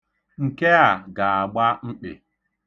Nke a ga-agba mkpị.